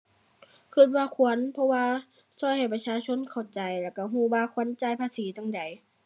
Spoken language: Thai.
คิดว่าควรเพราะว่า คิดให้ประชาชนเข้าใจแล้วคิดคิดว่าควรจ่ายภาษีจั่งใด